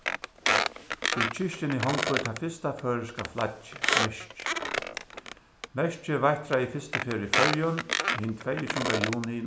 í kirkjuni hongur tað fyrsta føroyska flaggið merkið merkið veittraði fyrstu ferð í føroyum hin tveyogtjúgunda juni